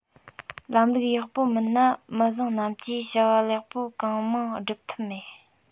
ལམ ལུགས ཡག པོ མིན ན མི བཟང རྣམས ཀྱིས བྱ བ ལེགས པོ གང མང སྒྲུབ ཐབས མེད